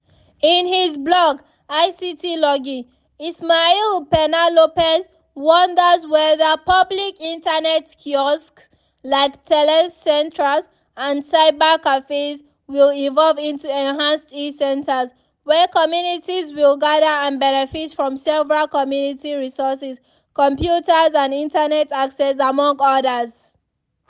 In his blog ICTlogy, Ismael Peña-López wonders whether public internet kiosks like telecentres and cybercafés will evolve into enhanced e-centers, “where communities will gather and benefit from several community resources, computers and Internet access among others?